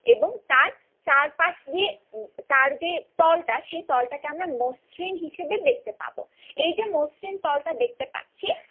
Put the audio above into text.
এবং তার চারপাশ দিয়ে তার যে তল টা সে তল টাকে আমরা মসৃণ হিসেবে দেখতে পাব এই যে মসৃণ তল টা দেখতে পাচ্ছি